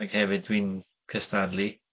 Ac hefyd, dwi'n cystadlu.